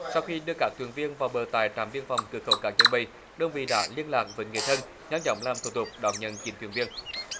sau khi đưa các thuyền viên vào bờ tại trạm biên phòng cửa khẩu cảng chân mây đơn vị đã liên lạc với người thân nhanh chóng làm thủ tục đón nhận chín thuyền viên